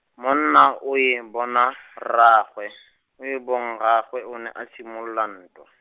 monna o e bona, rraagwe , o e bong rraagwe o ne a simolola ntwa.